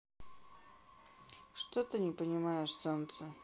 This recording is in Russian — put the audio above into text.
что ты не понимаешь солнце